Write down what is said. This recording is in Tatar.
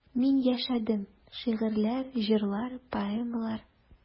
Мин яшәдем: шигырьләр, җырлар, поэмалар.